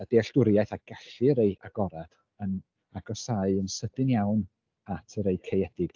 ma' dealltwriaeth a gallu y rhai agorad yn agosáu yn sydyn iawn at y rhai caeedig.